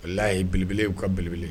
Yeelebele'u ka bele